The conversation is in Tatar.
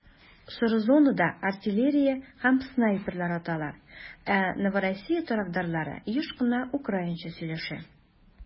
Соры зонада артиллерия һәм снайперлар аталар, ә Новороссия тарафтарлары еш кына украинча сөйләшә.